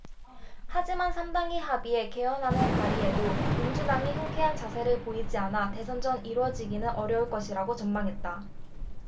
하지만 삼 당이 합의해 개헌안을 발의해도 민주당이 흔쾌한 자세를 보이지 않아 대선 전 이뤄지기는 어려울 것이라고 전망했다